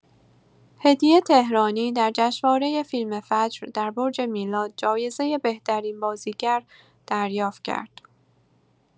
هدیه تهرانی در جشنواره فیلم فجر در برج میلاد جایزه بهترین بازیگر دریافت کرد.